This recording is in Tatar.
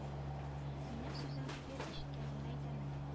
Минем сүзем түгел ишеткәнемне әйтәмен